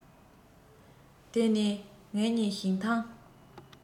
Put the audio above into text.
དེ ནས ངེད གཉིས ཞིང ཐང